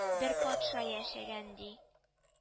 Бер патша яшәгән, ди